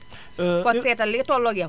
kon seetal li tolloo ak yow